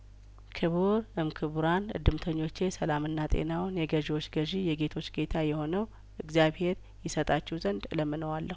ክቡር እም ክቡራን እድምተኞቼ ሰላምና ጤናውን የገዢዎች ገዢ የጌቶች ጌታ የሆነው እግዚአብሄር ይሰጣችሁ ዘንድ እለምነ ዋለሁ